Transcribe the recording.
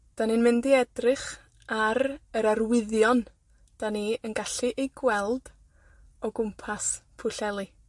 'Dan ni'n mynd i edrych ar yr arwyddion 'dan ni yn gallu eu gweld, o gwmpas Pwllheli.